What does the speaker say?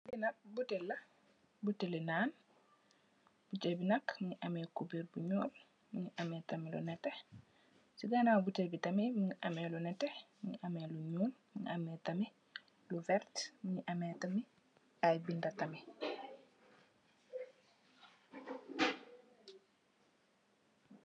Li nak buteel la, buteel li nan mungi ameh cubèr bu ñuul, mungi ameh tamit lu nètè. Ci ganaaw buteel bi tamit mungi ameh lu nètè, mungi ameh lu ñuul mungi ameh tamit lu vert, mungi ameh tamit ay binda tamit.